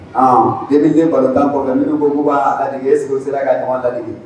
Aa denkɔ' kɔ kɔfɛ min ko ko b'a kadege so sera ka ɲɔgɔn dadege